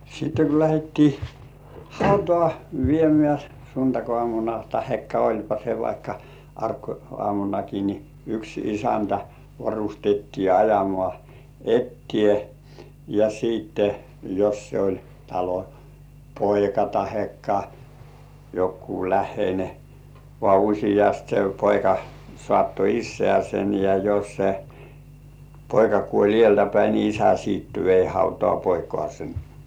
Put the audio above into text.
sitten kun lähdettiin hautaan viemään sunnuntaiaamuna tai olipa se vaikka arkiaamunakin niin yksi isäntä varustettiin ajamaan eteen ja sitten jos se oli talon poika tai joku läheinen vaan useasti se poika saattoi isäänsä ja jos se poika kuoli edeltä päin niin isä sitten vei hautaan poikaansa